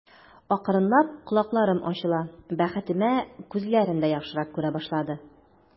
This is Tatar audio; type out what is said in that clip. Акрынлап колакларым ачыла, бәхетемә, күзләрем дә яхшырак күрә башлады.